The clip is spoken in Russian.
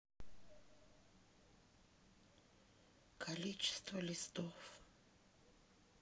количество листов